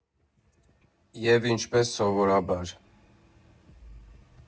ԵՒ ինչպես սովորաբար։